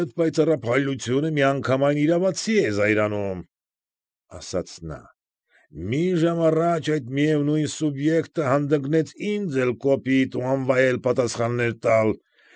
Ձերդ պայծառափայլությունը միանգամայն իրավացի է զայրանում,֊ ասաց նա,֊ մի ժամ առաջ այդ միևնույն սուբյեկտը հանդգնեց ինձ էլ կոպիտ ու անվայել պատասխաններ տալ։